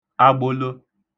agbolo